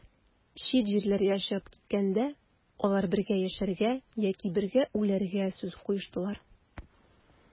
Чит җирләргә чыгып киткәндә, алар бергә яшәргә яки бергә үләргә сүз куештылар.